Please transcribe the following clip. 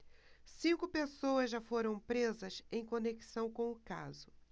cinco pessoas já foram presas em conexão com o caso